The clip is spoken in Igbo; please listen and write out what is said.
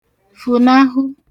funàhụ